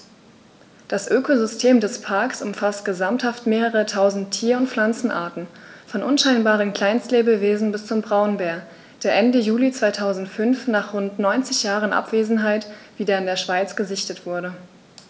Das Ökosystem des Parks umfasst gesamthaft mehrere tausend Tier- und Pflanzenarten, von unscheinbaren Kleinstlebewesen bis zum Braunbär, der Ende Juli 2005, nach rund 90 Jahren Abwesenheit, wieder in der Schweiz gesichtet wurde.